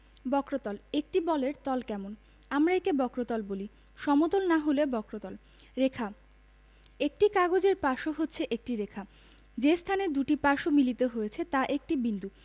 বক্রতলঃ একটি বলের তল কেমন আমরা একে বক্রতল বলি সমতল না হলে বক্রতল রেখাঃ একটি কাগজের পার্শ্ব হচ্ছে একটি রেখা যে স্থানে দুইটি পার্শ্ব মিলিত হয়েছে তা একটি বিন্দু